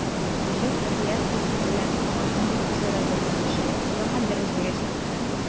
Һөҗүм авиациясе белән пехотаның үзара бәйләнеше яңа дәрәҗәгә чыкты.